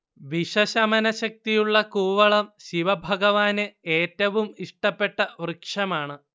വിഷശമനശക്തിയുളള കൂവളം ശിവഭഗവാന് ഏറ്റവും ഇഷ്ടപ്പെട്ട വൃക്ഷമാണ്